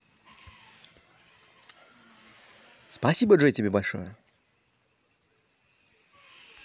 спасибо тебе большое джой